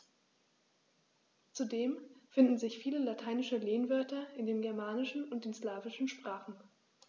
Zudem finden sich viele lateinische Lehnwörter in den germanischen und den slawischen Sprachen.